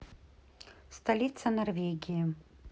столица норвегии